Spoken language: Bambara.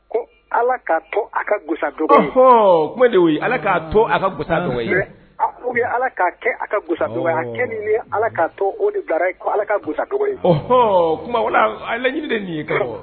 Ko ala ka to a kasaɔ de ala k'a to a kasa ye a ye ala k'a kɛ a kasa ni ye ala k kaa to o de bara ye ko ala kasa yeɔ tumaɲini de nin ye